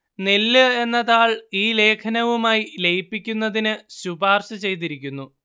നെല്ല് എന്ന താൾ ഈ ലേഖനവുമായി ലയിപ്പിക്കുന്നതിന് ശുപാർശ ചെയ്തിരിക്കുന്നു